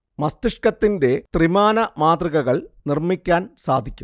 മസ്തിഷ്കത്തിന്റെ ത്രിമാന മാതൃകകൾ നിർമ്മിക്കാൻ സാധിക്കും